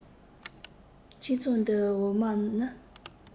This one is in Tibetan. ཁྱིམ ཚང འདི འོ མ ནི